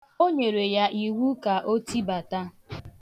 O nyere ya iwu ka o tibata.